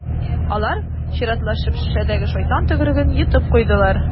Алар чиратлашып шешәдәге «шайтан төкереге»н йотып куйдылар.